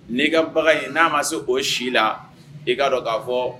N'i ka bagan in n'a ma se o si la i k'a dɔn k'a fɔ